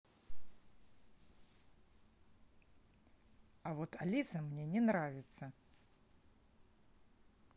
а вот алиса мне не нравится